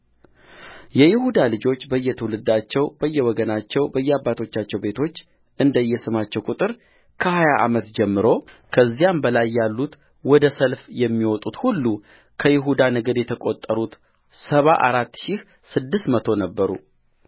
የይሁዳ ልጆች በየትውልዳቸው በየወገናቸው በየአባቶቻቸው ቤቶች እንደየስማቸው ቍጥር ከሀያ ዓመት ጀምሮ ከዚያም በላይ ያሉት ወደ ሰልፍ የሚወጡት ሁሉከይሁዳ ነገድ የተቈጠሩት ሰባ አራት ሺህ ስድስት መቶ ነበሩ